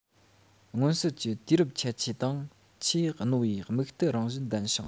མངོན གསལ གྱི དུས རབས ཁྱད ཆོས དང ཆེས རྣོ བའི དམིགས གཏད རང བཞིན ལྡན ཞིང